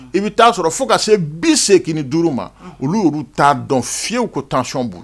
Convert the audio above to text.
I bɛ taaa sɔrɔ fo ka se bi segin ki duuru ma olu t'a dɔn fiyewu ko taacɔn bolo